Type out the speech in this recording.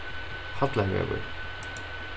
hallarvegur